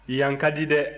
yan ka di dɛ